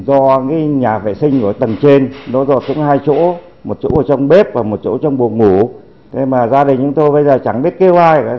do cái nhà vệ sinh ở tầng trên nó dột xuống hai chỗ một chỗ ở trong bếp và một chỗ trong buồng ngủ thế mà gia đình chúng tôi bây giờ chẳng biết kêu ai cả